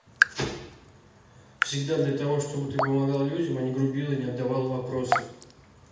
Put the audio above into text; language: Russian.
всегда для того чтобы ты помогала людям а не грубила и не отдавала вопросы